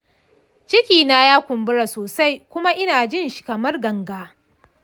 cikina ya kumbura sosai kuma ina jinshi kamar ganga.